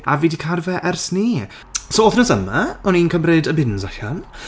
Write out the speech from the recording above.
A fi di cadw fe ers 'ny. So wythnos yma o'n i'n cymryd y bins allan...